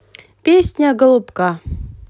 песня голубка